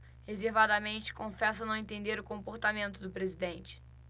reservadamente confessa não entender o comportamento do presidente